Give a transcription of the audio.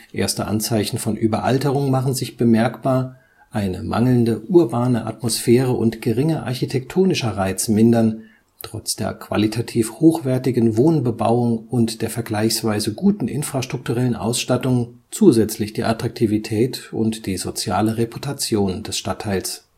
erste Anzeichen von Überalterung machen sich bemerkbar; eine mangelnde urbane Atmosphäre und geringer architektonischer Reiz mindern, trotz der qualitativ hochwertigen Wohnbebauung und der vergleichsweise guten infrastrukturellen Ausstattung, zusätzlich die Attraktivität und die soziale Reputation des Stadtteils